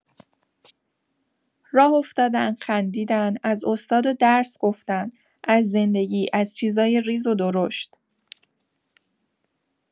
راه افتادن، خندیدن، از استاد و درس گفتن، از زندگی، از چیزای ریز و درشت.